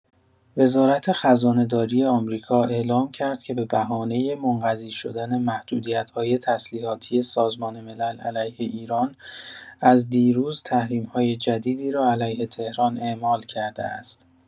وزارت خزانه‌داری آمریکا اعلام کرد که به بهانه منقضی‌شدن محدودیت‌های تسلیحاتی سازمان ملل علیه ایران از دیروز، تحریم‌های جدیدی را علیه تهران اعمال کرده است.